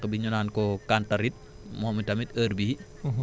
wànq bi ñu naan ko cantharide moom i tamit heure bii